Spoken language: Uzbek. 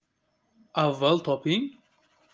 avval toping